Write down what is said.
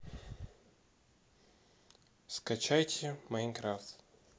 скачайте майнкрафт